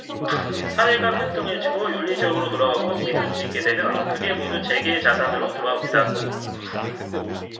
사회가 평등해지고 윤리적으로 돌아가고 믿을 수 있게 되면 그게 모두 제게 자산으로 돌아옵니다